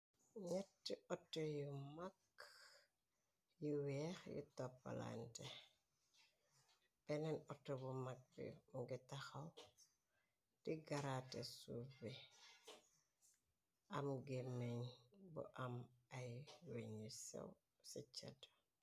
Neeti auto yu maag yi weex yu toppalaante benneen auto bu maag bi mungi taxaw di garaate suuf bi am geemeñ bu am ay weñyu sew ci caad.